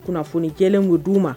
Kunnafoni jɛlen ko d'u ma